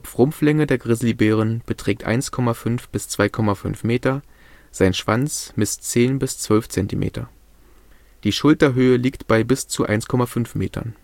Kopf-Rumpf-Länge der Grizzlybären beträgt 1,5 bis 2,5 Meter, sein Schwanz misst 10 bis 12 Zentimeter. Die Schulterhöhe liegt bei bis zu 1,5 Metern